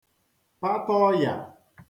pata ọya